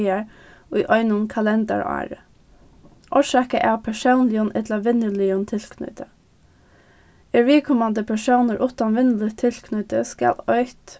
dagar í einum kalendaraári orsakað av persónligum ella vinnuligum tilknýti er viðkomandi persónur uttan vinnuligt tilknýti skal eitt